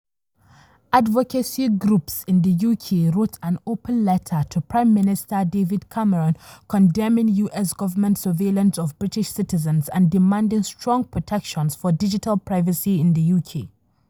Advocacy groups in the UK wrote an open letter to Prime Minister David Cameron, condemning US government surveillance of British citizens and demanding strong protections for digital privacy in the UK.